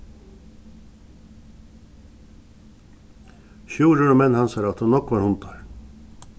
sjúrður og menn hansara áttu nógvar hundar